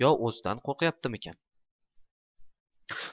yo o'zidan qo'rqayaptimikan